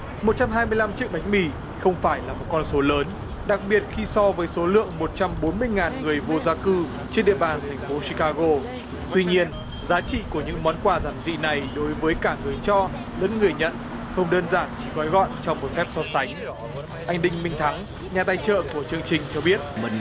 một trăm hai mươi lăm chiếc bánh mì không phải là con số lớn đặc biệt khi so với số lượng một trăm bốn mươi ngàn người vô gia cư trên địa bàn thành phố chi ca gô tuy nhiên giá trị của những món quà giản dị này đối với cả người cho đến người nhận không đơn giản chỉ gói gọn trong một phép so sánh anh đinh minh thắng nhà tài trợ của chương trình cho biết